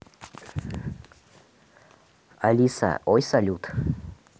алиса ой салют